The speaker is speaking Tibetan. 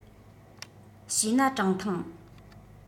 བྱས ན གྲངས ཐང